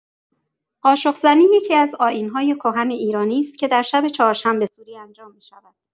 قاشق‌زنی یکی‌از آیین‌های کهن ایرانی است که در شب چهارشنبه‌سوری انجام می‌شود.